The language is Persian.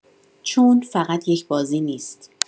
چون فقط یک بازی نیست؛